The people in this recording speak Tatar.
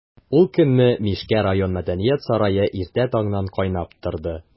Ул көнне Мишкә район мәдәният сарае иртә таңнан кайнап торды.